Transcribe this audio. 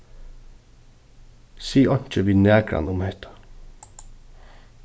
sig einki við nakran um hetta